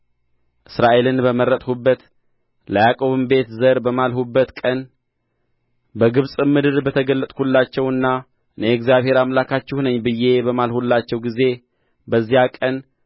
እስራኤልን በመረጥሁበት ለያዕቆብም ቤት ዘር በማልሁበት ቀን በግብጽም ምድር በተገለጥሁላቸውና እኔ እግዚአብሔር አምላካችሁ ነኝ ብዬ በማልሁላቸው ጊዜ በዚያ ቀን